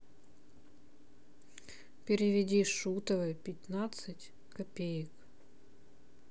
переведи шутовой пятнадцать копеек